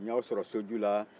n y'aw sɔrɔ soju la